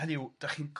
hynny yw 'dach chi'n c-